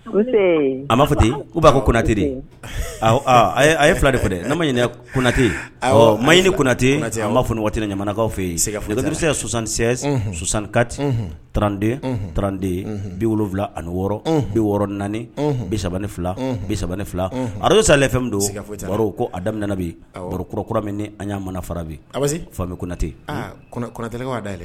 A ma'a fɔ ten u b'a fɔ konatɛre a ye fila de fɛ dɛ nana ma ɲini konatɛ ɔ ma ɲininatɛ a b'a fɔ waatiti jamanamanakaw fɛ ii se kase kasansan kati trante trante bi wolowula ani wɔɔrɔ bi wɔɔrɔ naani bisaban fila bisaban fila araro sa don ko adamin bikura kura min an y'a mana fara bi fa konatɛtɛ